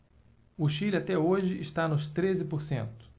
o chile até hoje está nos treze por cento